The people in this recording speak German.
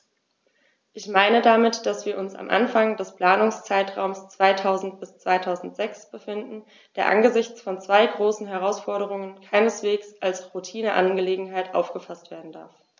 Ich meine damit, dass wir uns am Anfang des Planungszeitraums 2000-2006 befinden, der angesichts von zwei großen Herausforderungen keineswegs als Routineangelegenheit aufgefaßt werden darf.